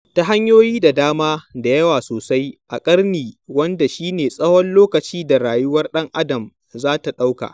Ta hanyoyi da dama, da yawa sosai a ƙarni, wanda shi ne tsawon lokacin da rayuwar ɗan-adam za ta ɗauka.